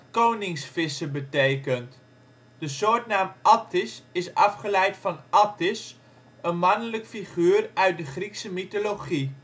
koningsvisser ' betekent. De soortnaam atthis is afgeleid van Attis, een mannelijk figuur uit de Griekse mythologie